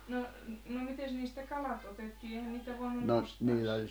no no mitenkäs niistä kalat otettiin eihän niitä voinut nostaa